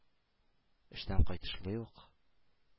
Эштән кайтышлый ук,